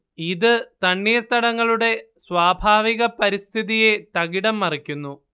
ഇത് തണ്ണീർത്തടങ്ങളുടെ സ്വാഭാവിക പരിസ്ഥിതിയെ തകിടംമറിക്കുന്നു